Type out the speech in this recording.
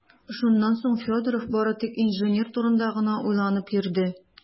Шуннан соң Федоров бары инженер турында гына уйланып йөрде.